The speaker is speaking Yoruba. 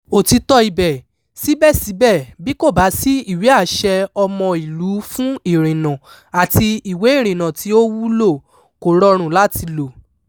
Òtítọ́ ibẹ̀, síbẹ̀síbẹ̀, bí kò bá sí ìwé-àṣẹ-ọmọìlú-fún-ìrìnnà àti ìwé ìrìnnà tí ó wúlò, kò rọrùn láti lò.